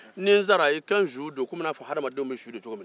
ni n sara i ka n su don komi i n'a fɔ hamadenw bɛ su don cogo min